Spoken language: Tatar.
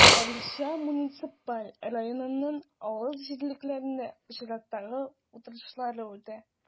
Арча муниципаль районының авыл җирлекләрендә чираттагы утырышлар үтә.